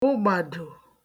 bụgbàdò